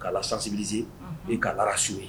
' sansibisi i kara so ye